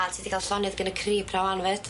A ti di ga'l llonydd gin y crip na rŵan fyd.